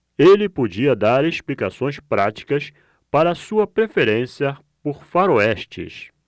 ele podia dar explicações práticas para sua preferência por faroestes